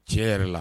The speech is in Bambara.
Cɛ yɛrɛ la